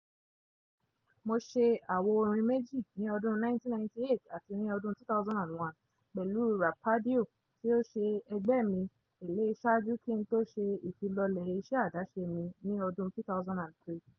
Keyti : mo ṣe àwo - orin méjì (ní ọdún 1998 àti ní ọdún 2001) pẹ̀lú Rapadio tí í ṣe ẹgbẹ́ mi tẹ́lẹ̀ sáájú kí n tó ṣe ìfilọ́lẹ̀ iṣẹ́ àdáṣe mi ní ọdún 2003